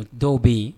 Dɔw bɛ yen